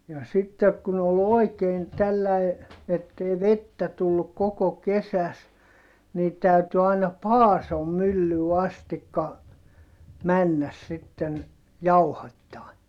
ja sitten kun oli oikein tällä lailla että ei vettä tullut koko kesässä niin täytyi aina Paason myllyyn asti mennä sitten jauhattaa